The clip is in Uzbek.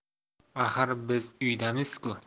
axir biz uydamizku